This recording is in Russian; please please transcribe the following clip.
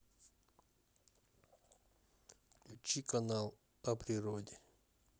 включить канал о природе